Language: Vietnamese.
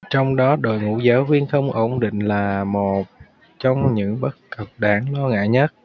trong đó đội ngũ giáo viên không ổn định là một trong những bất cập đáng lo ngại nhất